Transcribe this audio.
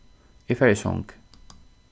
eg fari í song